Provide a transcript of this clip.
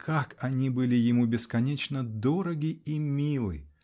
как они были ему бесконечно дороги и милы!